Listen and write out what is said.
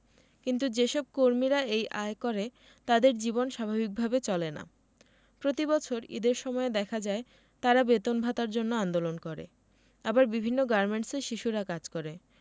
কিন্তু যেসব কর্মীরা এই আয় করে তাদের জীবন স্বাভাবিক ভাবে চলে না প্রতিবছর ঈদের সময় দেখা যায় তারা বেতন ভাতার জন্য আন্দোলন করে আবার বিভিন্ন গার্মেন্টসে শিশুরা কাজ করে